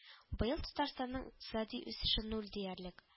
Быел Татарстанның икътисади үсеше нуль диярлек